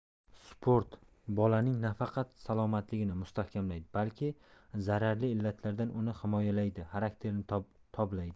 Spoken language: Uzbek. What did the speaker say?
sport bolaning nafaqat salomatligini mustahkamlaydi balki zararli illatlardan uni himoyalaydi xarakterini toblaydi